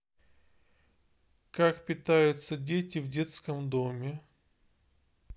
как питаются дети в детском доме